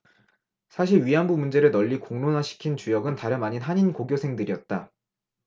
사실 위안부 문제를 널리 공론화시킨 주역은 다름아닌 한인고교생들이었다